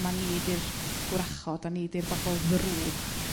ma' ni 'di'r gwrachod a ni 'di'r bobol ddrwg